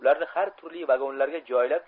ularni har turli vagonlarga joylab